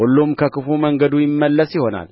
ሁሉም ከክፉ መንገዱ ይመለስ ይሆናል